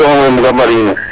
*